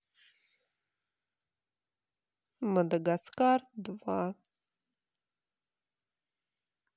мадагаскар два